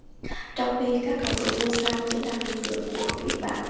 trong khi các cầu thủ ngôi sao chính là thần tượng của không ít bạn